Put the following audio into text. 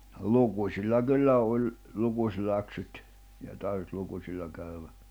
no lukusilla kyllä oli lukuläksyt ja tarvitsi lukusilla käydä